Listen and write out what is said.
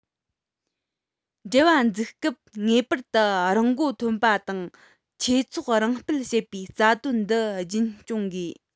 འབྲེལ བ འཛུགས སྐབས ངེས པར དུ རང མགོ ཐོན པ དང ཆོས ཚོགས རང སྤེལ བྱེད པའི རྩ དོན འདི རྒྱུན སྐྱོང དགོས